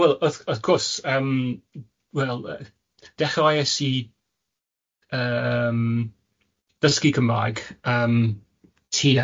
Wel wrth wrth cwrs yym wel yy dechrauais i yym dysgu Cymraeg yym tua